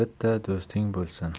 bitta do'sting bo'lsin